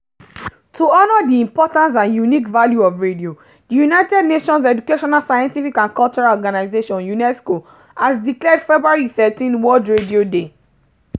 To honor the importance and unique value of radio, the United Nations Educational, Scientific and Cultural Organization (UNESCO) has declared February 13 World Radio Day.